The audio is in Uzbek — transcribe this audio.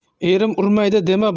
erim urmaydi dema